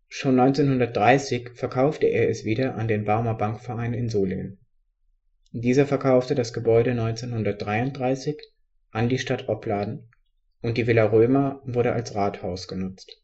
Schon 1930 verkaufte er es wieder an den Barmer Bankverein in Solingen. Dieser verkaufte das Gebäude 1933 an die Stadt Opladen und die Villa Römer wurde als Rathaus genutzt